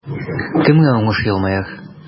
Кемгә уңыш елмаер?